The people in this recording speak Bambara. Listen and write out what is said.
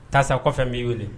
Taa sa . Kɔfɛ n bi wele.